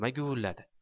nima guvilladi